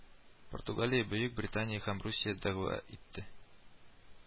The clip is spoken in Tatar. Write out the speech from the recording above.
Португалия, Бөек Британия һәм Русия дәгъва итте